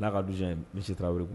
N'a ka dusɛn in misi tarawele wuli